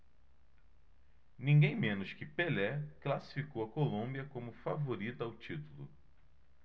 ninguém menos que pelé classificou a colômbia como favorita ao título